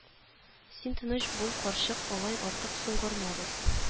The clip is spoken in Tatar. Син тыныч бул карчык алай артык соңгармабыз